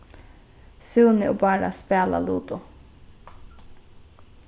súni og bára spæla ludo